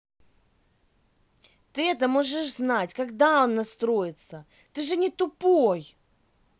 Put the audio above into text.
ты это можешь знать когда он настроится ты же не тупой